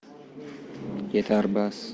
yetar bas